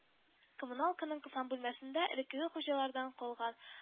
Коммуналканың кысан бүлмәсендә элеккеге хуҗалардан калган